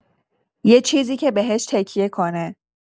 یه چیزی که بهش تکیه کنه.